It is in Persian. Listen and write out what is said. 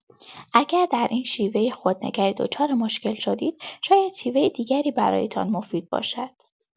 اگر در این شیوه خودنگری دچار مشکل شدید، شاید شیوه دیگری برایتان مفید باشد.